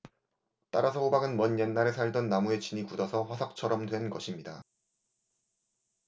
따라서 호박은 먼 옛날에 살던 나무의 진이 굳어서 화석처럼 된 것입니다